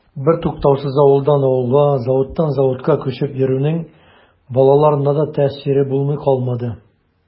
Бертуктаусыз авылдан авылга, заводтан заводка күчеп йөрүнең балаларына да тәэсире булмый калмады.